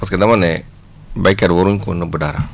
parce que dama ne béykat waruñ ko nëbb dara